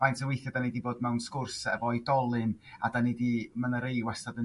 faint o weithia' 'da ni 'di bod mewn sgwrs efo oedolyn a 'da ni di ma' 'na rei wastad yn